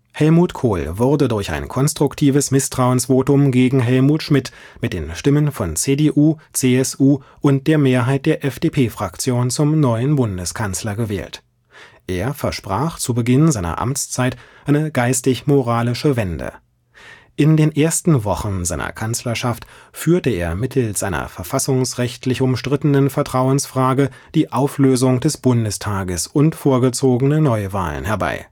Helmut Kohl wurde durch ein konstruktives Misstrauensvotum gegen Helmut Schmidt mit den Stimmen von CDU, CSU und der Mehrheit der FDP-Fraktion zum neuen Bundeskanzler gewählt. Er versprach zu Beginn seiner Amtszeit eine „ geistig-moralische Wende “. In den ersten Wochen seiner Kanzlerschaft führte er mittels einer verfassungsrechtlich umstrittenen Vertrauensfrage die Auflösung des Bundestages und vorgezogene Neuwahlen herbei